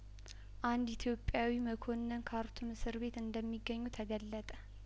አንድ ኢትዮጵያዊ መኮንን ካርቱም እስር ቤት እንደሚገኙ ተገለጠ